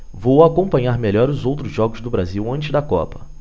vou acompanhar melhor os outros jogos do brasil antes da copa